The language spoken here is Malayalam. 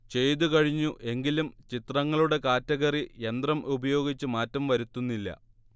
ചെയ്തു കഴിഞ്ഞു എങ്കിലും ചിത്രങ്ങളുടെ കാറ്റഗറി യന്ത്രം ഉപയോഗിച്ച് മാറ്റം വരുത്തുന്നില്ല